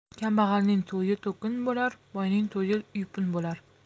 kambag'alning to'yi to'kin bo'lar boyning to'yi yupun bo'lar